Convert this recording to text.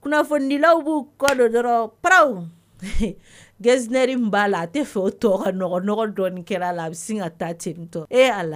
Kunnafonidilaw'u kɔ dɔ dɔrɔn paraww geseri b'a la a tɛ fɛ oɔgɔ dɔ kɛra la a bɛ se ka taa cɛtɔ e' la